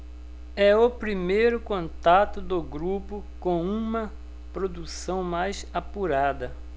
é o primeiro contato do grupo com uma produção mais apurada